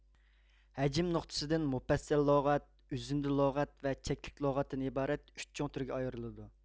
ھەجىم نۇقتىسىدىن مۇپەسسەل لۇغەت ئۈزۈندە لۇغەت ۋە چەكلىك لۇغەتتىن ئىبارەت ئۈچ چوڭ تۈرگە ئايرىلىدۇ